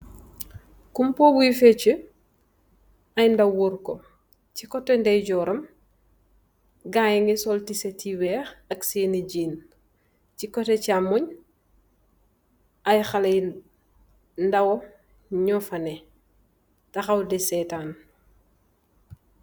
Kumpoo buuy fetchih aye ndaw wurkoh si koteh ndeye jorram gai nyunge sul t-shirt bu wekh ak geen ak si koteh chamm moi aye khaleh yu ndaw nyufa nekah tahaw di setan.